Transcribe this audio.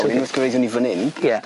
A wedyn wrth gyraeddwn ni fyn 'yn... Ie.